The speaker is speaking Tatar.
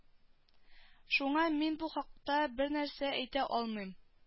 Шуңа мин бу хакта бернәрсә әйтә алмыйм